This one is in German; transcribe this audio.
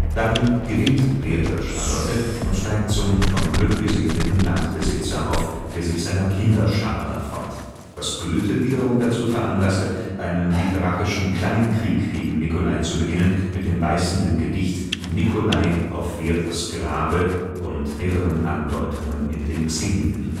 Darin gewinnt Werther Charlotte und steigt zum vom Glück gesegneten Landbesitzer auf, der sich seiner Kinderschar erfreut – was Goethe wiederum dazu veranlasste, einen literarischen Kleinkrieg gegen Nicolai zu beginnen mit dem beißenden Gedicht Nicolai auf Werthers Grabe und mehreren Andeutungen in den Xenien